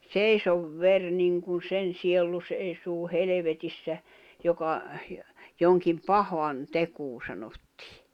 seiso veri niin kuin sen sielu seisoo helvetissä joka jonkin pahan tekoa sanottiin